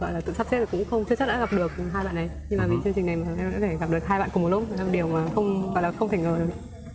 gọi là tự sắp xếp cũng không chưa chắc đã gặp được hai bạn ấy nhưng mà vì chương trình này có thể gặp được hai bạn cùng lúc nhưng điều mà không phải là không thành lời ạ